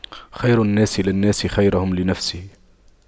خير الناس للناس خيرهم لنفسه